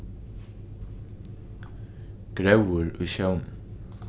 gróður í sjónum